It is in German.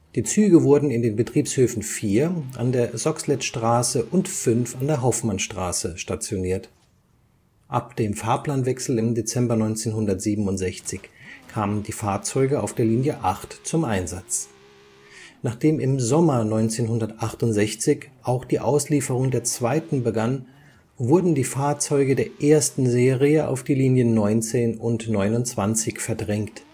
Die Züge wurden in den Betriebshöfen 4 an der Soxhletstraße und 5 an der Hofmannstraße stationiert. Ab dem Fahrplanwechsel im Dezember 1967 kamen die Fahrzeuge auf der Linie 8 zum Einsatz. Nachdem im Sommer 1968 auch die Auslieferung der zweiten begann, wurden die Fahrzeuge der ersten Serie auf die Linien 19 und 29 verdrängt